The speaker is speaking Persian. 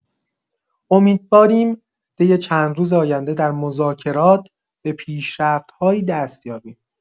امیدواریم طی چند روز آینده در مذاکرات به پیشرفت‌هایی دست یابیم.